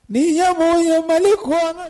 Ni ya ya mali ko